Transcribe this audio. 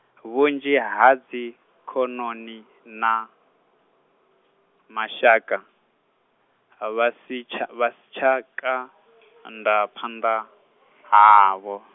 vhunzhi ha dzi khonani na, mashaka, vha si tsha vha si tsha ka nda phanḓa, havho.